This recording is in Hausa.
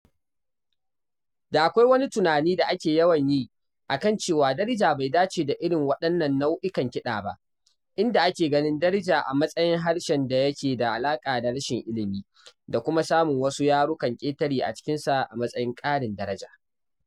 Da akwai wani tunani da ake yawan yi kan cewa Darija bai dace da irin waɗannan nau’ikan kiɗa ba, inda ake ganin Darija a matsayin harshen da ya ke da alaƙa da rashin ilimi, da kuma samun wasu yarukan ƙetare a cikinsa a matsayin ƙarin daraja.